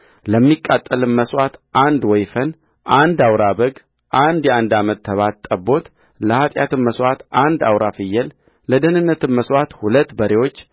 ለሚቃጠልም መሥዋዕት አንድ ወይፈን አንድ አውራ በግ አንድ የአንድ ዓመት ተባት ጠቦትለኃጢአትም መሥዋዕት አንድ አውራ ፍየልለደኅንነትም መሥዋዕት ሁለት በሬዎች